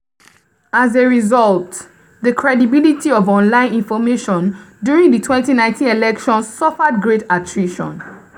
As a result, the credibility of online information during the 2019 elections suffered great attrition.